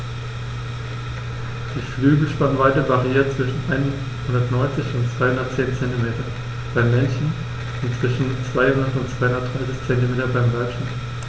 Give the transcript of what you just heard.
Die Flügelspannweite variiert zwischen 190 und 210 cm beim Männchen und zwischen 200 und 230 cm beim Weibchen.